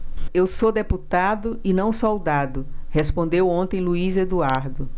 eu sou deputado e não soldado respondeu ontem luís eduardo